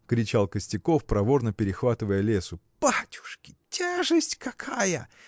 – кричал Костяков, проворно перехватывая лесу. – Батюшки! тяжесть какая!